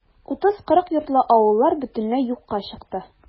30-40 йортлы авыллар бөтенләй юкка чыкты.